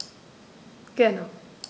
Gerne.